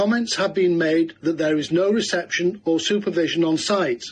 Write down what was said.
Comments have been made that there is no reception or supervision on-site.